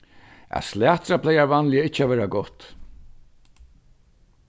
at slatra plagar vanliga ikki at vera gott